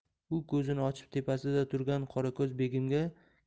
u ko'zini ochib tepasida turgan qorako'z begimga